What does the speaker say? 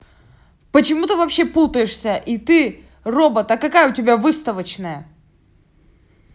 почему ты вообще путаешься и ты робот а какая у тебя выставочная